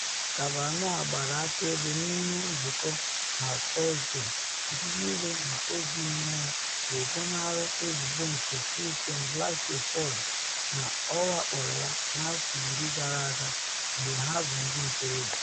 Kavanaugh gbara akaebe n’ihu Nzụkọ na Tọsde, jiri iwe na obi mmụọ wee gọnarị ebubo nke Christine Blasey Ford na ọ wakporo ya n’afọ iri gara aga mgbe ha bụ ndị ntorobia.